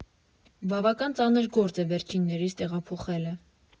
Բավական ծանր գործ է վերջիններիս տեղափոխելը.